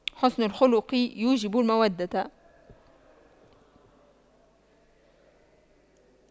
حُسْنُ الخلق يوجب المودة